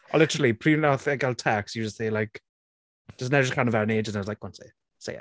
O literally, pryd wnaeth e gael text he was just there like jyst yn edrych arno fe am ages I was like "go on, say it. Say it"